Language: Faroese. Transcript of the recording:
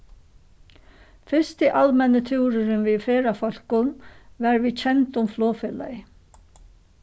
fyrsti almenni túrurin við ferðafólkum var við kendum flogfelagi